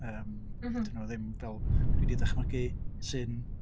Yym... m-hm. ...'dy nhw ddim fel dwi 'di ddychmygu, sy'n...